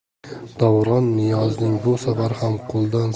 davron niyozning bu safar ham